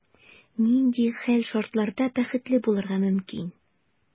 Нинди хәл-шартларда бәхетле булырга мөмкин?